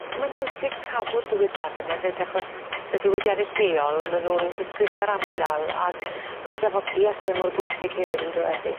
Mae'n bwysig cadw'r dywediade 'my 'fyd achos y dywediade lleol ma' nw'n ddisgrifio'r ardal ag ma'r dafodieth 'ne mor bwysig hefyd yndw e? Yndi.